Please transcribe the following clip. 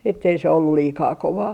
että ei se ollut liikaa kovaa